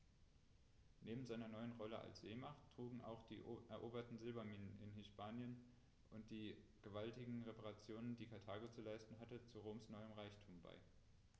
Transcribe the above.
Neben seiner neuen Rolle als Seemacht trugen auch die eroberten Silberminen in Hispanien und die gewaltigen Reparationen, die Karthago zu leisten hatte, zu Roms neuem Reichtum bei.